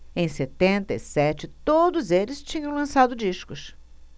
em setenta e sete todos eles tinham lançado discos